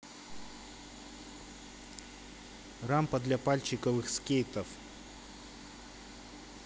рампа для пальчиковых скейтов